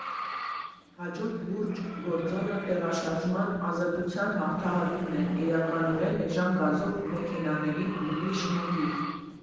Հաջորդ լուրջ գործոնը տեղաշարժման ազատության հաղթահարումն էր էականորեն էժան գազով մեքենաների բումի շնորհիվ։